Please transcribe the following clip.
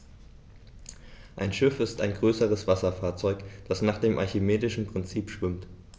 Ein Schiff ist ein größeres Wasserfahrzeug, das nach dem archimedischen Prinzip schwimmt.